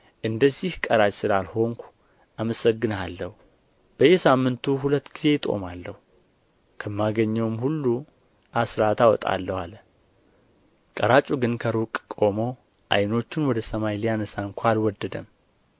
እንደዚህ ቀራጭ ስላልሆንሁ አመሰግንሃለሁ በየሳምንቱ ሁለት ጊዜ እጦማለሁ ከማገኘውም ሁሉ አሥራት አወጣለሁ አለ ቀራጩ ግን በሩቅ ቆሞ ዓይኖቹን ወደ ሰማይ ሊያነሣ እንኳ አልወደደም